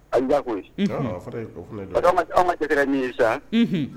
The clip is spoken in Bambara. An diya ko aw ma cɛɛrɛ min ye sa